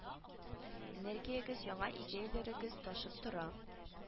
Энергиягез яңа идеяләрегез ташып тора